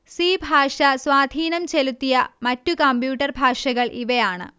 C ഭാഷ സ്വാധീനം ചെലുത്തിയ മറ്റു കമ്പ്യൂട്ടർ ഭാഷകൾ ഇവയാണ്